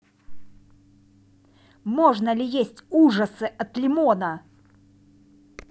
можно ли есть ужасы от лимона